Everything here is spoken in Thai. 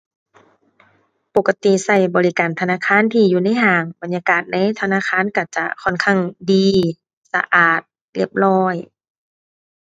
ปกติใช้บริการธนาคารที่อยู่ในห้างบรรยากาศในธนาคารใช้จะค่อนข้างดีสะอาดเรียบร้อย